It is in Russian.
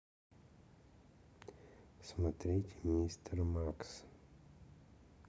смотреть мистер макс